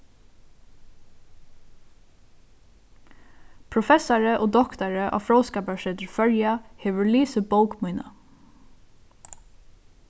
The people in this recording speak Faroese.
professari og doktari á fróðskaparsetri føroya hevur lisið bók mína